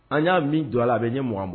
An y'a min jɔ a la a bɛ ɲɛ mugan bɔ